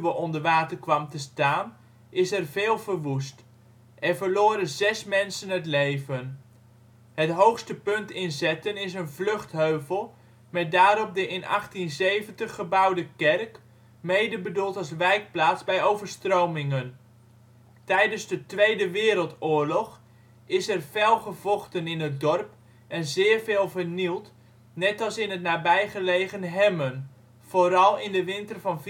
onder water kwam te staan is er veel verwoest, en verloren zes mensen het leven. Het hoogste punt in Zetten is een vluchtheuvel met daarop de in 1870 gebouwde kerk, mede bedoeld als wijkplaats bij overstromingen. Tijdens de Tweede Wereldoorlog is er fel gevochten in het dorp en zeer veel vernield, net als in het nabij gelegen Hemmen, vooral in de winter van